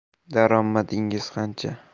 daromadingiz qancha